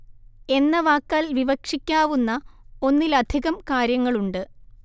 എന്ന വാക്കാൽ വിവക്ഷിക്കാവുന്ന ഒന്നിലധികം കാര്യങ്ങളുണ്ട്